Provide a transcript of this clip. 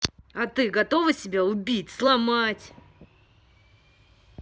а ты готова себя убить сломать